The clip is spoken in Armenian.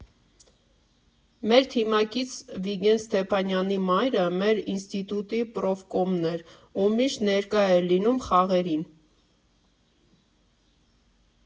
Մեր թիմակից Վիգեն Ստեփանյանի մայրը մեր ինստիտուտի պրոֆկոմն էր ու միշտ ներկա էր լինում խաղերին։